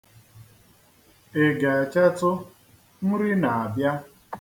I ga-echetụ, nri na-abịa?